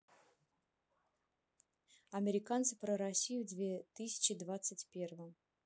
американцы про россию в две тысячи двадцать первом